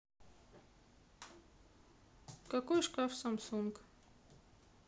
какой шкаф самсунг